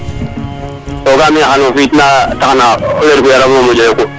Foogaam e xan o fi' ka taxna wergu yaramof a moƴo yoku.